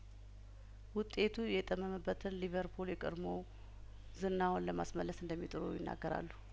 ውጤቱ የጠመመበትን ሊቨርፑል የቀድሞው ዝናውን ለማስመለስ እንደደሚ ጠሩ ይናገራሉ